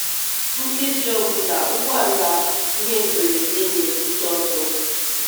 “Nkeji ọ bụla ụgbọ ala ihe mberede na-ebute ozu.